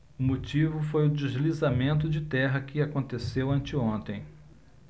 o motivo foi o deslizamento de terra que aconteceu anteontem